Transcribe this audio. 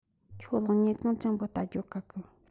ཁྱོད གློག བརྙན གང ཅན པོ བལྟ རྒྱུའོ དགའ གི